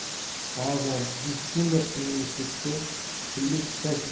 ba'zan vistula universiteti pullik staj